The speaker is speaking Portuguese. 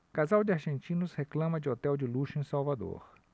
casal de argentinos reclama de hotel de luxo em salvador